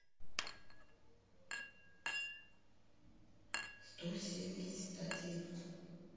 сто семьдесят один